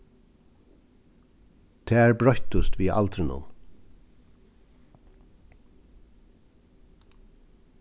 tær broyttust við aldrinum